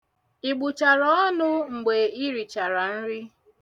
Ị gbụchara ọnụ mgbe i richara nri?